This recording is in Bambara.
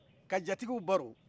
ka jatigiw baro